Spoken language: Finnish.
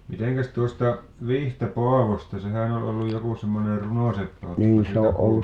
mitenkäs tuosta Vihta-Paavosta sehän oli ollut joku semmoinen runoseppä oletteko siitä kuullut